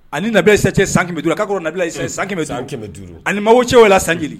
Ani nabesɛ cɛ san bɛ duuru ka'o nabila san san duuru ani mabɔ cɛ'o la sanji